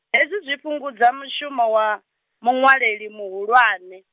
hezwi zwi fhungudza mushumo wa, muṅwaleli muhulwane.